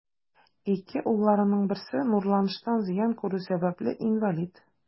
Ике улларының берсе нурланыштан зыян күрү сәбәпле, инвалид.